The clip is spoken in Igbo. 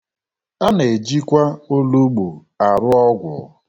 A na-ejikwa olugbu arụ ọgwụ.